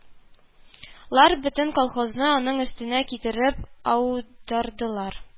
Лар да бөтен колхозны аның өстенә китереп аудардылар